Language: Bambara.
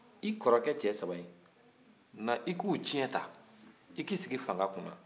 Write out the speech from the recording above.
i kɔrɔkɛ cɛ saba in na i k'u cɛn ta i k'i sigi fanga kunna